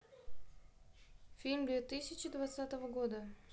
фильмы две тысячи двадцатого года